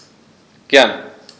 Gern.